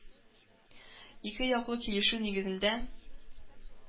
Ике яклы “килешү” нигезендә,